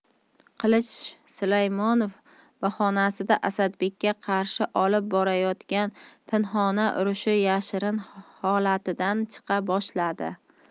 qilich sulaymonov bahonasida asadbekka qarshi olib borayotgan pinhona urushi yashirin holatidan chiqa boshladi